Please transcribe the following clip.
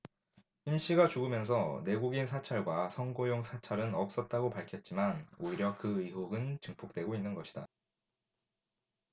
임씨가 죽으면서 내국인 사찰과 선거용 사찰은 없었다고 밝혔지만 오히려 그 의혹은 증폭되고 있는 것이다